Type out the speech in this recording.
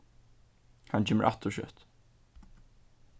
hann kemur aftur skjótt